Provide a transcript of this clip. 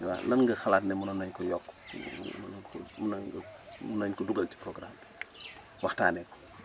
waaw lan nga xalaat ne mënoon nañu ko yokk mënoo nga mën nañu ko dugal ci programme bi waxtaanee ko